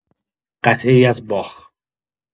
قطعه‌ای از باخ